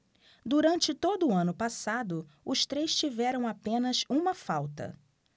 durante todo o ano passado os três tiveram apenas uma falta